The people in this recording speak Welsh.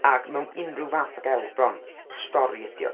Ac mewn unrhyw fath o gelf bron, y stori ydi o.